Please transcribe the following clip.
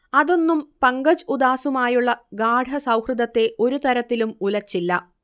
അതൊന്നും പങ്കജ് ഉദാസുമായുള്ള ഗാഢ സൗഹൃദത്തെ ഒരു തരത്തിലും ഉലച്ചില്ല